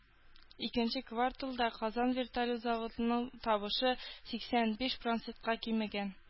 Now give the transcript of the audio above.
Икенче кварталда Казан вертолет заводының табышы сиксән биш процентка кимегән